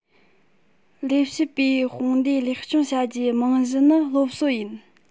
ལས བྱེད པའི དཔུང སྡེ ལེགས སྐྱོང བྱ རྒྱུའི རྨང གཞི ནི སློབ གསོ ཡིན